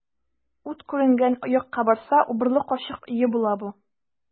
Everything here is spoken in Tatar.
Ут күренгән якка барса, убырлы карчык өе була бу.